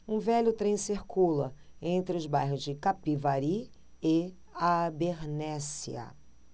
um velho trem circula entre os bairros de capivari e abernéssia